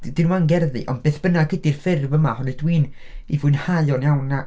'Di nhw'm yn gerddi ond beth bynnag 'di'r ffurf yma oherwydd mi ydw i'n ei fwynhau o'n iawn.